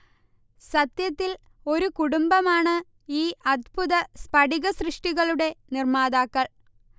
സത്യത്തിൽ ഒരു കുടുംബമാണ് ഈ അദ്ഭുത സ്ഥടികസൃഷ്ടികളുടെ നിർമാതാക്കൾ